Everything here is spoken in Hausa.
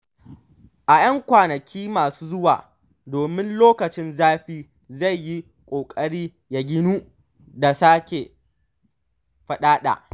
A ‘yan kwanaki masu zuwa, ɗumin lokacin zafi zai yi ƙoƙari ya ginu da sake faɗaɗa.